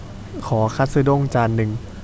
ขอคัตสึด้งจานหนึ่ง